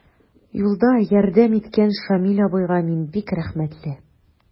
Юлда ярдәм иткән Шамил абыйга мин бик рәхмәтле.